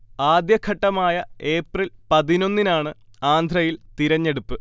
ആദ്യഘട്ടമായ April പതിനൊന്നിനാണ് ആന്ധ്രയിൽ തിരഞ്ഞെടുപ്പ്